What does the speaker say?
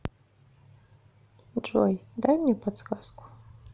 джой дай мне подсказку